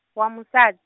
wa musad-.